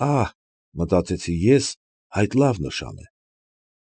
Ահ, մտածեցի ես, այդ լավ նշան է։